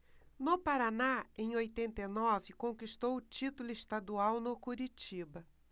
no paraná em oitenta e nove conquistou o título estadual no curitiba